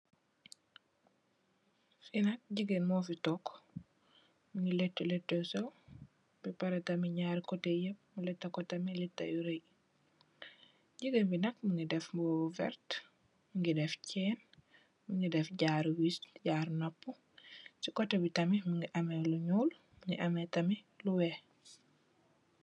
Fee nak jegain mufe tonke muge letou letou yu seew ba pareh tamin nyari koteh ye yep mu letaku tamin leta yu raye jegain be nak muge def muba bu verte muge def chin muge def jaaru wees jaaru nopu se koteh be tamin muge ameh lu nuul muge ameh tamin lu weex.